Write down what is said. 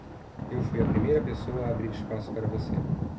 eu fui a primeira pessoa a abrir espaço para você